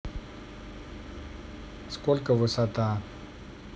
сколько высота